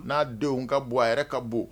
N'a denw ka bon a yɛrɛ ka bon